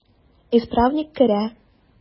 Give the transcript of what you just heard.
Исправник керә.